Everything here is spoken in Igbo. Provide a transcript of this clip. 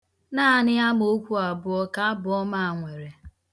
Naanị amookwu abụọ ka Abụọma a nwere.